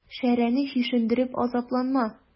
Шәрәне чишендереп азапланма.